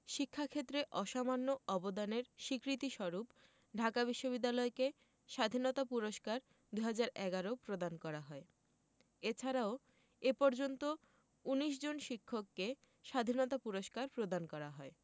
শিক্ষা ক্ষেত্রে অসামান্য অবদানের স্বীকৃতিস্বরূপ ঢাকা বিশ্ববিদ্যালয়কে স্বাধীনতা পুরস্কার ২০১১ প্রদান করা হয় এছাড়াও এ পর্যন্ত ১৯ জন শিক্ষককে স্বাধীনতা পুরস্কার প্রদান করা হয়